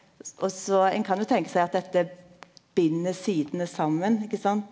og så ein kan jo tenke seg at dette bind sidene saman ikkje sant.